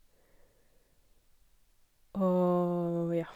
Og, ja.